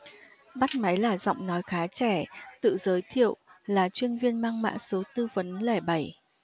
bắt máy là giọng nói khá trẻ tự giới thiệu là chuyên viên mang mã số tư vấn lẻ bảy